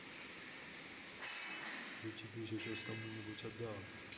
я тебе сейчас кому нибудь отдам